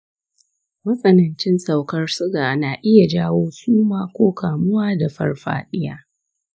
matsanancin saukar suga na iya jawo suma ko kamuwa da farfaɗiya.